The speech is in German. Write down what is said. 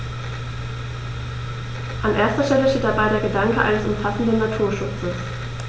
An erster Stelle steht dabei der Gedanke eines umfassenden Naturschutzes.